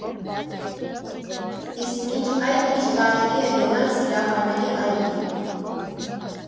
Իսկ մինչ այդ միշտ կարելի է գնալ Սիրահարների այգի։